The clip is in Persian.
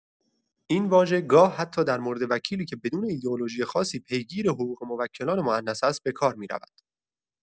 این واژه گاه حتی در مورد وکیلی که بدون ایدئولوژی خاصی پیگیر حقوق موکلان مونث است، به کار می‌رود.